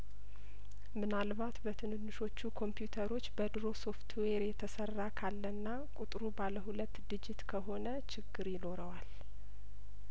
ምናልባት በትንንሾቹ ኮምፒውተሮች በድሮ ሶፍትዌር የተሰራ ካለና ቁጥሩ ባለሁለት ዲጂት ከሆነ ችግር ይኖረዋል